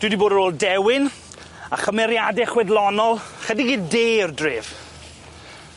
Dwi 'di bod ar ôl dewin a chymeriade chwedlonol chydig i'r do o'r dref.